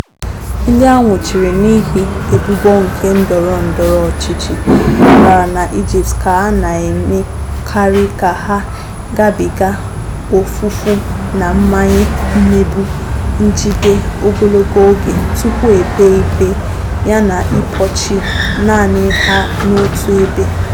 Ndị a nwụchiri n'ihi ebubo nke ndọrọ ndọrọ ọchịchị kpatara na Egypt ka a na-emekarị ka ha gabiga ofufu na mmanye, mmegbu, njide ogologo oge tupu e kpee ikpe yana ịkpọchi naanị ha n'otu ebe.